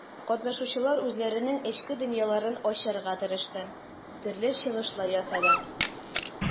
Катнашучылар үзләренең эчке дөньяларын ачарга тырышты, төрле чыгышлар ясады.